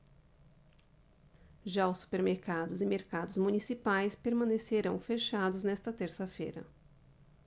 já os supermercados e mercados municipais permanecerão fechados nesta terça-feira